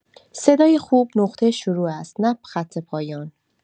صدای خوب نقطه شروع است، نه خط پایان.